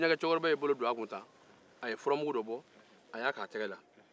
jinɛɛ cɛkɔrɔba y'i bolo don a kun ka furmugu dɔ k'a ke a tɛgɛ